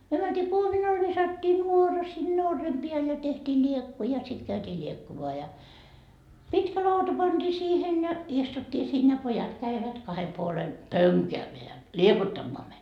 me mentiin kuominalle viskattiin nuora sinne orren päälle ja tehtiin liekku ja sitten käytiin liekkumaan ja pitkä lauta pantiin siihen ja istuttiin siinä ja pojat kävivät kahden puolen pönkäämään liekuttamaan meitä